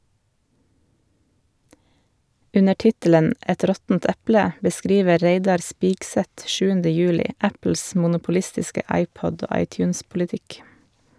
Under tittelen "Et råttent eple" beskriver Reidar Spigseth 7. juli Apples monopolistiske iPod- og iTunes-politikk.